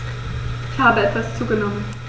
Ich habe etwas zugenommen